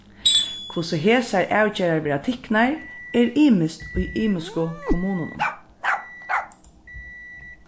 hvussu hesar avgerðir verða tiknar er ymiskt í ymisku kommununum